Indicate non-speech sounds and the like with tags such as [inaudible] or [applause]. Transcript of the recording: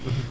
[hesitation] [hesitation]